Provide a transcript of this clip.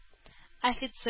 Офицер